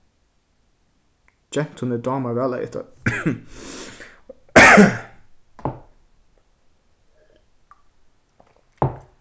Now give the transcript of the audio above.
gentuni dámar væl at eta